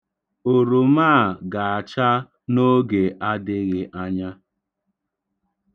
Oroma a ga-acha n'oge adịghị anya.